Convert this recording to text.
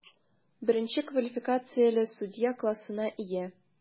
Беренче квалификацияле судья классына ия.